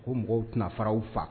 Ko mɔgɔw tɛna fararaw faga